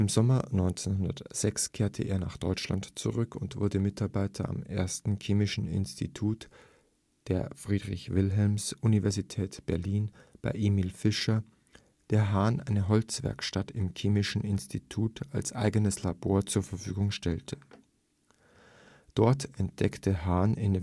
Sommer 1906 kehrte er nach Deutschland zurück und wurde Mitarbeiter am I. Chemischen Institut der Friedrich-Wilhelms-Universität Berlin bei Emil Fischer, der Hahn eine „ Holzwerkstatt “im Chemischen Institut als eigenes Labor zur Verfügung stellte. Dort entdeckte Hahn in